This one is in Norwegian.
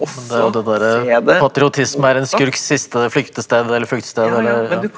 men det er jo det derre patriotisme er en skurks siste flyktested eller fluktsted eller ja.